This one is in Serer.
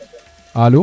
alo